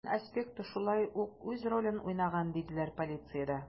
Дин аспекты шулай ук үз ролен уйнаган, диделәр полициядә.